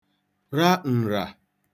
ra ǹrà